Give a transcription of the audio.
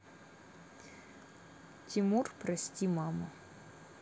тимур прости мама